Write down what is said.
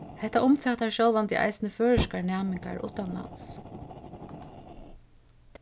hetta umfatar sjálvandi eisini føroyskar næmingar uttanlands